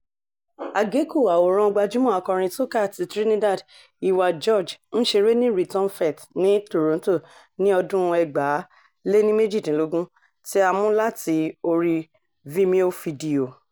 Àgékù àwòrán gbajúmọ̀ akọrin soca ti Trinidad Iwer George ń ṣeré ni Return Fête ní Toronto ní ọdún 2018 tí a mú láti orí Vimeo fídíò.